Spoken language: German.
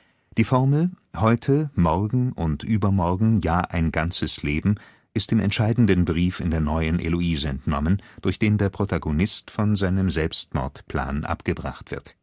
Die Formel „ heute, morgen und übermorgen, ja, ein ganzes Leben “ist dem entscheidenden Brief in der Neuen Heloise entnommen, durch den der Protagonist von seinem Selbstmordplan abgebracht wird